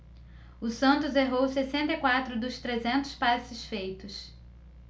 o santos errou sessenta e quatro dos trezentos passes feitos